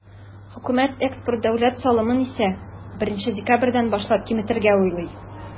Хөкүмәт экспорт дәүләт салымын исә, 1 декабрьдән башлап киметергә уйлый.